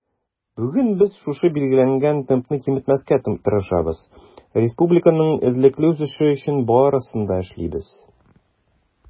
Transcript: Бүген без шушы билгеләнгән темпны киметмәскә тырышабыз, республиканың эзлекле үсеше өчен барысын да эшлибез.